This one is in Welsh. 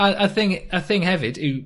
...a a'r thing y- y thing hefyd yw...